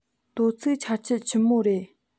དོ ཚིགས ཆར ཆུ ཆི མོ རེད